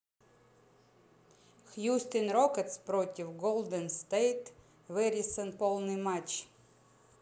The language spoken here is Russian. хьюстон рокетс против golden state warriors полный матч